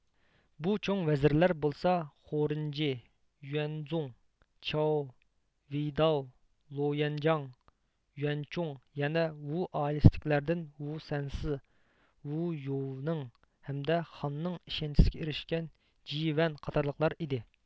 بۇ چوڭ ۋەزىرلەر بولسا خورېنجى يۇەنزۇڭ چياۋ ۋېيداۋ لو يۇەنجاڭ يۇەنچۇڭ يەنە ۋۇ ئائىلىسىدىكىلەردىن ۋۇ سەنسى ۋۇ يوۋنىڭ ھەمدە خاننىڭ ئىشەنچىسىگە ئېرىشكەن جى ۋەن قاتارلىقلار ئىدى